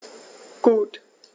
Gut.